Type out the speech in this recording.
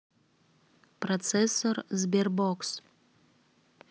процессор sberbox